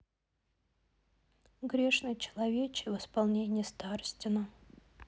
грешный человече в исполнении старостина